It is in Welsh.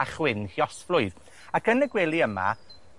a chwyn lluosflwydd. Ac yn y gwely yma,